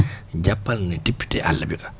jàppal ne député àll bi nga